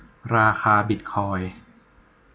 ราคาบิทคอยน์